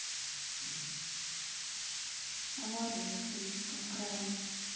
авария в кричевском крае